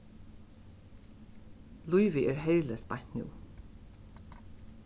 lívið er herligt beint nú